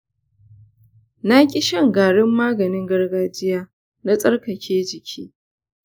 naki shan garin maganin gargajiya na tsarkake jiki.